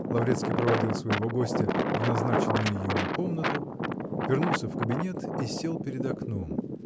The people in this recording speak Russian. Лаврецкий проводил своего гостя в назначенную ему комнату, вернулся в кабинет и сел перед окном.